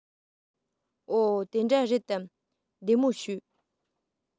འོ དེ འདྲ རེད དམ བདེ མོ བྱོས